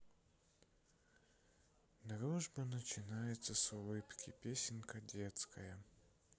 дружба начинается с улыбки песенка детская